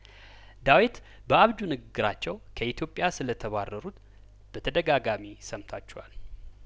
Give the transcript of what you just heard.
ዳዊት በአብ ጁን ግራቸው ከኢትዮጵያ ስለተባረሩት በተደጋጋሚ ሰምታችኋል